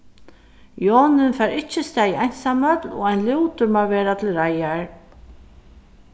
jonin fær ikki staðið einsamøll og ein lútur má vera til reiðar